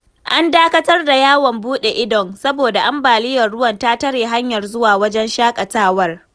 An dakatar da yawon buɗe idon saboda ambaliyar ruwan ta tare hanyar zuwa wajen shaƙatawar.